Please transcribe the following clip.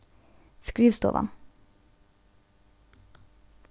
skrivstovan